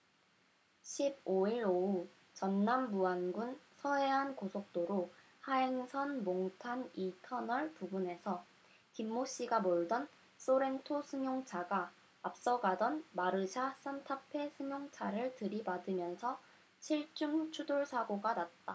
십 오 일 오후 전남 무안군 서해안고속도로 하행선 몽탄 이 터널 부근에서 김모씨가 몰던 쏘렌토 승용차가 앞서 가던 마르샤 싼타페 승용차를 들이받으면서 칠 중 추돌사고가 났다